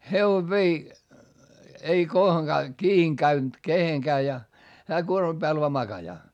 hevonen vei ei kohonkaan kiinni käynyt kehenkään ja hän kuorman päällä vain makaa